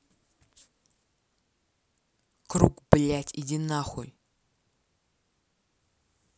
круг блядь иди нахуй